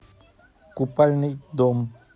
купальный дом